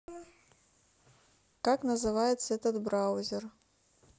как называется этот браузер